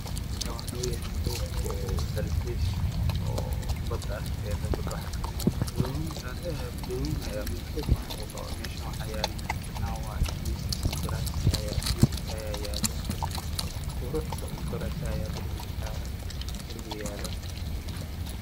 Halkaanw axaa waaye goob dalxiis oo badda agteed ah